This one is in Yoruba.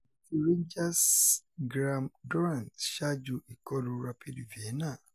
Ireti Rangers Graham Dorrans ṣaaju ikọlu Rapid Vienna